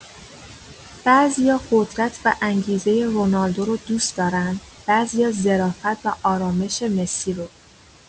بعضیا قدرت و انگیزه رونالدو رو دوست دارن، بعضیا ظرافت و آرامش مسی رو.